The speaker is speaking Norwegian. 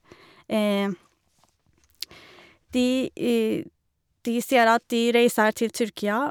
de De sier at de reiser til Tyrkia.